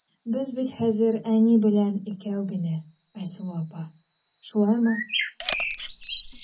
Без бит хәзер әни белән икәү генә, Айсылу апа, шулаймы?